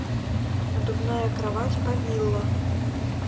надувная кровать павилло